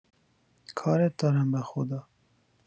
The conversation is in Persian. کارت دارم بخدا